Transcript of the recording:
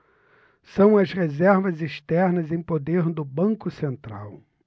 são as reservas externas em poder do banco central